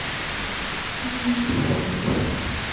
มีผล